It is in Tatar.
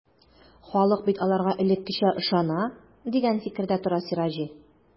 Халык бит аларга элеккечә ышана, дигән фикердә тора Сираҗи.